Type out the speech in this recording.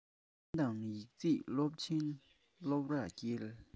གཏམ དང ཡིག རྩིས སློབ ཆེད སློབ རར བསྐྱེལ